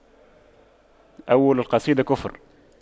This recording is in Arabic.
أول القصيدة كفر